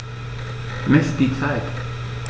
Miss die Zeit.